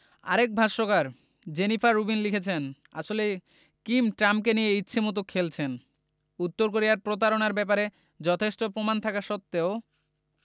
আরেক ভাষ্যকার Jennifer Rubin লিখেছেন আসলে কিম ট্রাম্পকে নিয়ে ইচ্ছেমতো খেলছেন উত্তর কোরিয়ার প্রতারণার ব্যাপারে যথেষ্ট প্রমাণ থাকা সত্ত্বেও